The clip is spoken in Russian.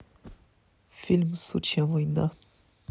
фильм сучья война